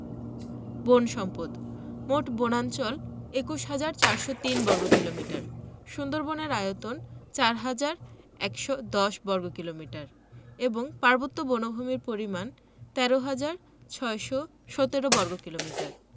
বন সম্পদঃ মোট বনাঞ্চল ২১হাজার ৪০৩ বর্গ কিলোমিটার সুন্দরবনের আয়তন ৪হাজার ১১০ বর্গ কিলোমিটার এবং পার্বত্য বনভূমির পরিমাণ ১৩হাজার ৬১৭ বর্গ কিলোমিটার